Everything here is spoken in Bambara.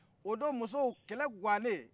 o don musow kɛlɛ gannen